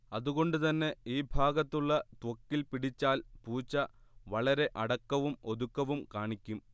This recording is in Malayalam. അതുകൊണ്ട് തന്നെ ഈ ഭാഗത്തുള്ള ത്വക്കിൽ പിടിച്ചാൽ പൂച്ച വളരെ അടക്കവും ഒതുക്കവും കാണിക്കും